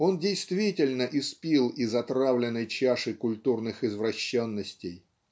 он действительно испил из отравленной чаши культурных извращенностей.